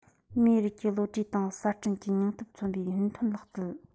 མིའི རིགས ཀྱི བློ གྲོས དང གསར སྐྲུན གྱི སྙིང སྟོབས མཚོན པའི སྔོན ཐོན ཚན རྩལ